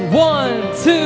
ri